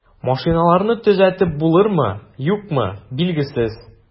Машиналарны төзәтеп булырмы, юкмы, билгесез.